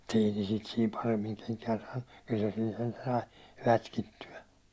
mutta ei ne sitä siinä paremmin kenkään saanut kyllä se siinä sentään sai rätkittyä